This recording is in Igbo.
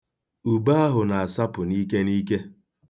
Ube ahụ na-asapụ n'ike n'ike.